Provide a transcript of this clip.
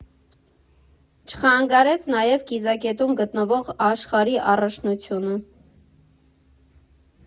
Չխանգարեց նաև կիզակետում գտնվող Աշխարհի առաջնությունը։